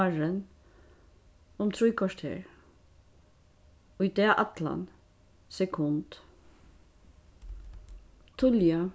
áðrenn um trý korter í dag allan sekund tíðliga